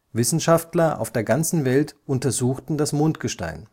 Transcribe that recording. Wissenschaftler auf der ganzen Welt untersuchten das Mondgestein